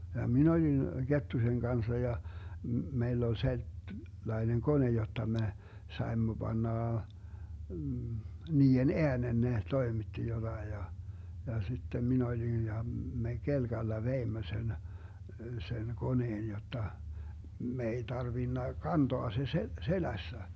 ja minä olin Kettusen kanssa ja meillä oli - sellainen kone jotta me saimme panna niiden äänen ne toimitti jotakin ja ja sitten minä olin ja me kelkalla veimme sen sen koneen jotta me ei tarvinnut kantaa se - selässä